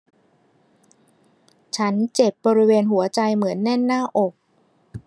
ฉันเจ็บบริเวณหัวใจเหมือนแน่นหน้าอก